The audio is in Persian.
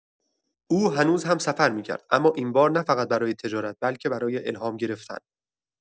او هنوز هم‌سفر می‌کرد، اما این بار، نه‌فقط برای تجارت بلکه برای الهام گرفتن.